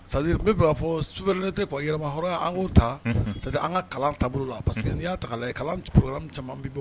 A fɔ su tɛ' yɛlɛma k' ta an ka kalan taabolo la pa parceseke n y'a ta caman